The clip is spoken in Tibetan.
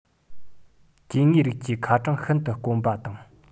སྐྱེ དངོས རིགས ཀྱི ཁ གྲངས ཤིན ཏུ དཀོན པ དང